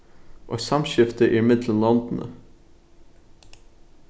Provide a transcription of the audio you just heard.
eitt samskifti er millum londini